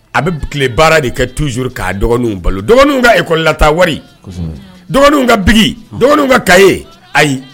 A bɛ tile baara de kɛ tuur k'a dɔgɔninw balo dɔgɔnin ka ekɔlata wari dɔgɔnin ka bi dɔgɔnin ka ka ye ayi